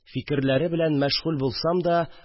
Фикерләре берлә мәшгуль булсам да